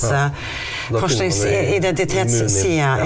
ja .